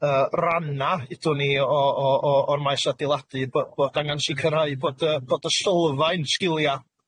Yy ranna' 'udwn ni o o o o'r maes adeiladu, bo' bod angan sicirhau bod y bod y sylfaen sgilia'